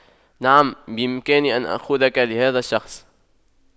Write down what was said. نعم بإمكاني أن أخذك لهذا الشخص